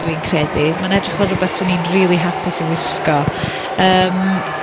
dwi'n credu. Ma'n edrych fel rwbeth 'swn i'n rili hapus i wisgo, yym,